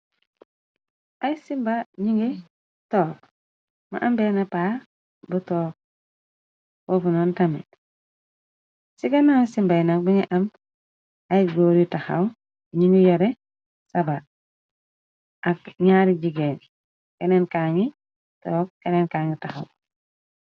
Ay simba ñi ngi took, ma ambeena paa ba toog, foofu noon tame, ci kenaal simbay nak bi ngi am ay góor yu taxaw, ñi ngi yore saba, ak gñaari jigéer gi, keneen kagi to, keneenkaangi taxaw.